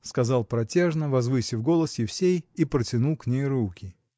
– сказал протяжно, возвысив голос, Евсей и протянул к ней руки.